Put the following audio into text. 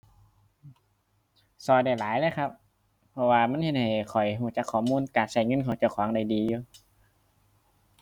ช่วยได้หลายเลยครับ เพราะว่ามันเฮ็ดให้ข้อยช่วยจักข้อมูลการช่วยเงินของเจ้าของได้ดีอยู่